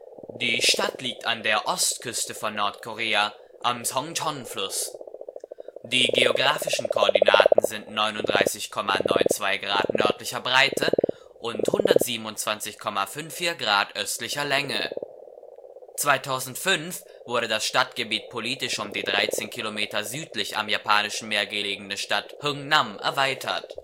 Die Stadt liegt an der Ostküste von Nordkorea am Songchon-Fluss. Die geografischen Koordinaten sind 39,92 Grad nördlicher Breite und 127,54 Grad östlicher Länge. 2005 wurde das Stadtgebiet politisch um die 13 Kilometer südlich am Japanischen Meer gelegene Stadt Hŭngnam erweitert